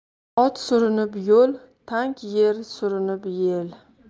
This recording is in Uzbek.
ot surinib yo'l tank er surinib el